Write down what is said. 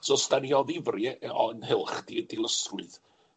So os 'dan ni o ddifri o ynghylch di- dilysrwydd